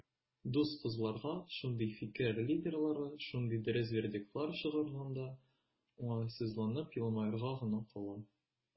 Дус кызларга шундый "фикер лидерлары" шундый дөрес вердиктлар чыгарганда, уңайсызланып елмаерга гына кала.